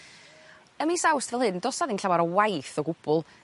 Ym mis Awst fel hyn do's 'a ddim llawar o waith o gwbwl